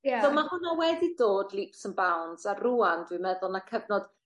Ie. So ma' hwnna wedi dod leaps and bounds a rŵan dwi'n meddwl ma' cyfnod